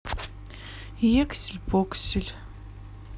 ексель поксель